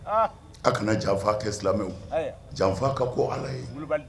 Aa, a' kana janfa kɛ silamɛw, janfa ka go Ala ye, wulibali don